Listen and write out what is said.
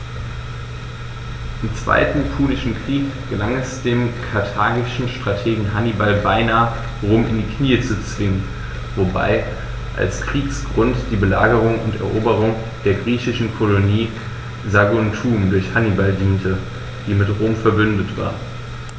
Im Zweiten Punischen Krieg gelang es dem karthagischen Strategen Hannibal beinahe, Rom in die Knie zu zwingen, wobei als Kriegsgrund die Belagerung und Eroberung der griechischen Kolonie Saguntum durch Hannibal diente, die mit Rom „verbündet“ war.